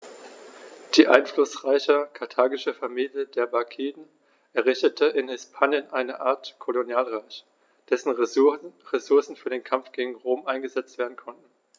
Die einflussreiche karthagische Familie der Barkiden errichtete in Hispanien eine Art Kolonialreich, dessen Ressourcen für den Kampf gegen Rom eingesetzt werden konnten.